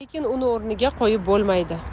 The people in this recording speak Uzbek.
lekin uni o'rniga qo'yib bo'lmaydi